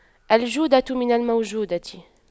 الجودة من الموجودة